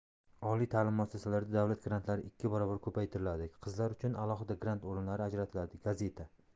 otmlarda davlat grantlari ikki barobar ko'paytiriladi qizlar uchun alohida grant o'rinlari ajratiladi gazeta